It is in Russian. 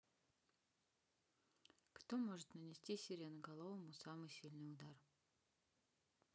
кто может нанести сиреноголовому самый сильный удар